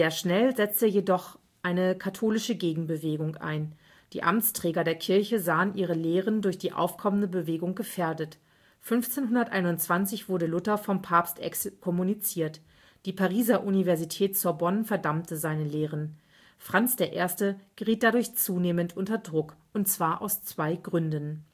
schnell setzte jedoch eine katholische Gegenbewegung ein. Die Amtsträger der Kirche sahen ihre Lehren durch die aufkommende Bewegung gefährdet: 1521 wurde Luther vom Papst exkommuniziert, die Pariser Universität Sorbonne verdammte seine Lehren. Franz I. geriet dadurch zunehmend unter Druck, und zwar aus zwei Gründen